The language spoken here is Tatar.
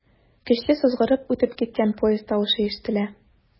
Көчле сызгыртып үтеп киткән поезд тавышы ишетелә.